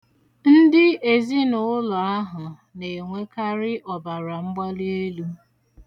Ndị ezinụlọ ahụ na-enwekarị ọbaramgbalielu.